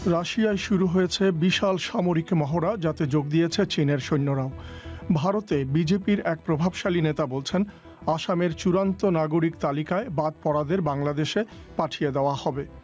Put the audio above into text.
রাশিয়ায় শুরু হয়েছে বিশাল সামরিক মহড়া যাতে যোগ দিয়েছে চীনের সৈন্যরা ভারতে বিজেপির এক প্রভাবশালী নেতা বলছেন আসাম এর চূড়ান্ত নাগরিক তালিকায় বাদ পড়াদের বাংলাদেশ পাঠিয়ে দেয়া হবে